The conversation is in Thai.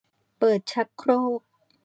เปิดชักโครก